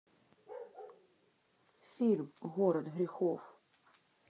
фильм город грехов